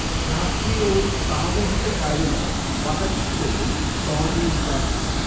രാഷ്ട്രീയവും സാമൂഹിക കാര്യങ്ങളും വധശിക്ഷയെ സ്വാധീനിക്കാറുണ്ട്